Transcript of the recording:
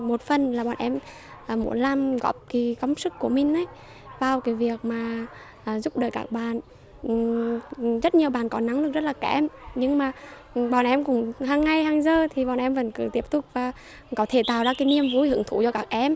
một phần là bọn em à muốn làm góp cái công sức của mình ấy vào cái việc mà giúp đỡ các bạn rất nhiều bạn có năng lực rất là kém nhưng mà bọn em cũng hằng ngày hằng giờ thì bọn em vẫn cứ tiếp tục và có thể tạo ra cái niềm vui hứng thú cho cá em